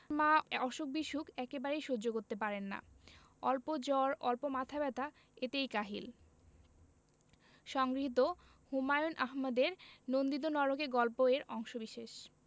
মা অসুখ বিসুখ একেবারেই সহ্য করতে পারেন না অল্প জ্বর অল্প মাথা ব্যাথা এতেই কাহিল সংগৃহীত হুমায়ুন আহমেদের নন্দিত নরকে গল্প এর অংশবিশেষ